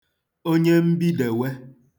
onye mbidèwe